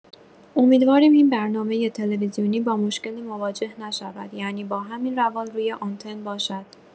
امیدواریم این برنامه تلویزیونی با مشکلی مواجه نشود یعنی با همین روال روی آنتن باشد.